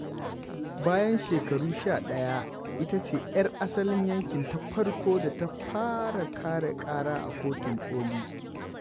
Bayan shekaru sha ɗaya, ita ce 'yar asalin yankin ta farko da ta fara kare ƙara a kotun ƙoli.